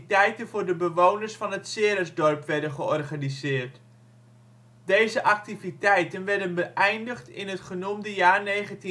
voor de bewoners van het Ceresdorp werden georganiseerd. Deze activiteiten werden beëindigd in het genoemde jaar 1946. Vanuit